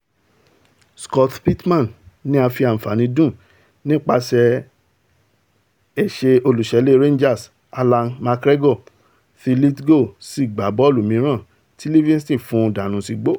Scott Pittman ní a fi àǹfàànì dùn nípaṣẹ̀ ẹsẹ̀ olùṣọ́lé Rangers Allan McGregor tí Lithgow sì gbá bọ́ọ̀lù mìíràn tí Livingston fún un dànù sígbó.